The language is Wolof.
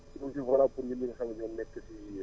sxi mun si boolewaat ñun ñi nga xam ne ñoo nekk ci